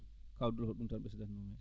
kaw Doulo ko ɗum tan ɓesdannoomi heen